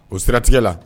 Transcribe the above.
O siratigɛ la